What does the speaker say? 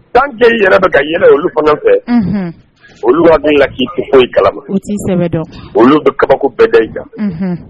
Danjɛ i yɛrɛ bɛ ka yɛlɛ olu fana fɛ olu' min la k'i tu foyi kala sɛ olu bɛ kabako bɛɛ bɛɛ kan